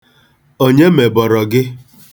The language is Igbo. Onye mebọrọ gị?